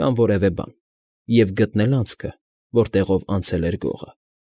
Կամ որևէ բան և գտնել անցքը, որտեղով անցել էր գողը։